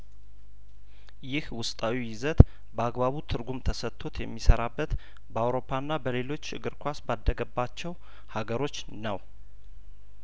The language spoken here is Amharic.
ይህ ውስጣዊው ይዘት በአግባቡ ትርጉም ተሰጥቶት የሚሰራበት በአውሮፓና በሌሎች እግር ኳስ ባደገባቸው ሀገሮች ነው